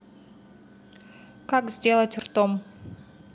как сделать ртом